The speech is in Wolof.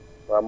waaw